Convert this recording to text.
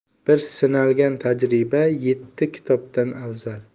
bir sinalgan tajriba yetti kitobdan afzal